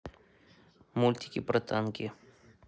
мультики про танки